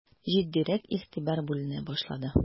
Җитдирәк игътибар бүленә башлады.